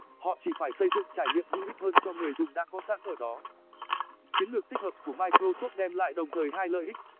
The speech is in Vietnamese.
họ chỉ phải xây dựng trải nghiệm hữu ích hơn cho người dùng đã có sẵn ở đó chiến lược tích hợp của microsoft đem lại đồng thời hai lợi ích